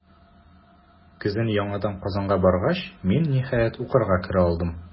Көзен яңадан Казанга баргач, мин, ниһаять, укырга керә алдым.